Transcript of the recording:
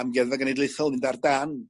Amgueddfa Genedlaethol mynd ar dan